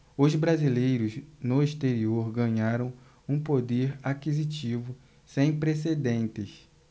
os brasileiros no exterior ganharam um poder aquisitivo sem precedentes